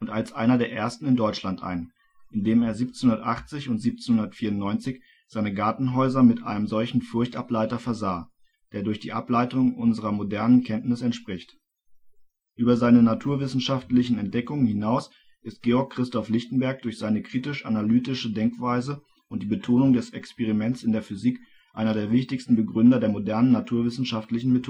als einer der ersten in Deutschland ein, indem er 1780 und 1794 seine Gartenhäuser mit einem solchen Furchtableiter versah, der durch die Ableitung unserer modernen Kenntnis entspricht. Über seine naturwissenschaftlichen Entdeckungen hinaus ist Georg Christoph Lichtenberg durch seine kritisch-analytische Denkweise und die Betonung des Experiments in der Physik einer der wichtigsten Begründer der modernen naturwissenschaftlichen